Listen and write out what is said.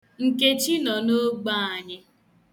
Nkechi nọ n'ogbe anyị.